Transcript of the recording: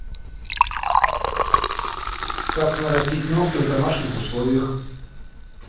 как нарастить ногти в домашних условиях